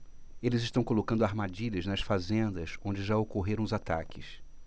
eles estão colocando armadilhas nas fazendas onde já ocorreram os ataques